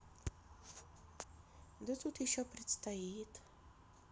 да тут еще предстоит